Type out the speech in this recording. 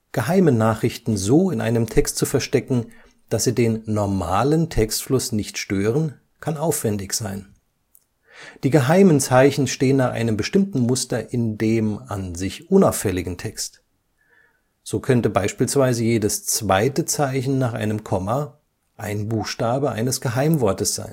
Geheime Nachrichten so in einem Text zu verstecken, dass sie den normalen Textfluss nicht stören, kann aufwändig sein. Die geheimen Zeichen stehen nach einem bestimmten Muster in dem an sich unauffälligen Text, so könnte beispielsweise jedes zweite Zeichen nach einem Komma ein Buchstabe eines Geheimwortes